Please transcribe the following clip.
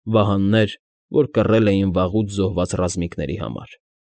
Վահաններ, որ կռել էին վաղուց զոհված ռազմիկների համար։